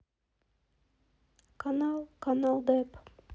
канал канал дэп